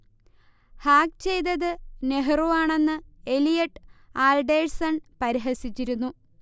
hack ചെയ്തത് നെഹ്റു ആണെന്ന് Elliot Alderson പരിഹസിച്ചിരുന്നു